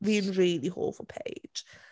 Fi'n rili hoff o Paige.